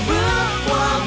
bao